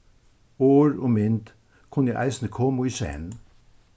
orð og mynd kunnu eisini koma í senn